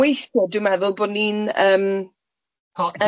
...weithiau dwi'n meddwl bod ni'n yym... Pa dîn?